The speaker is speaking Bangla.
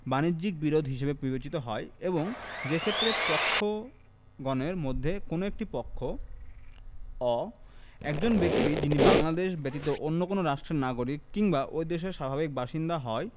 বাণিজ্যিক বিরোধ হিসাবে বিবেচিত হয় এবং যেক্ষেত্রে পক্ষগণের মধ্যে কোন একটি পক্ষ অ একজন ব্যক্তি যিনি বাংলাদেশ ব্যতীত অন্য কোন রাষ্ট্রের নাগরিক কিংবা ঐ দেশের স্বাভাবিক বাসিন্দা হয়